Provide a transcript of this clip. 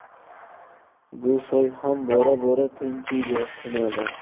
bu soy ham bora bora tinchiydi tinadi